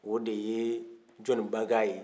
o de ye jɔnni bange a ye